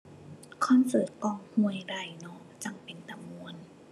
คอนเสิร์ตก้อง ห้วยไร่ เนาะ จั่งเป็นตาม่วน